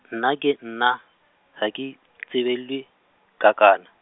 nna ke nna, ha ke tsubelwe kakana.